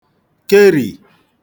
kerì